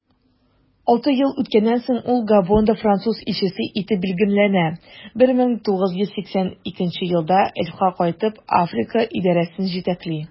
Алты ел үткәннән соң, ул Габонда француз илчесе итеп билгеләнә, 1982 елда Elf'ка кайтып, Африка идарәсен җитәкли.